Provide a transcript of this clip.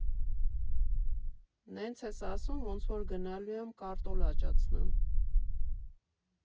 ֊ Նենց ես ասում, ոնց որ գնալու եմ կարտոլ աճացնեմ։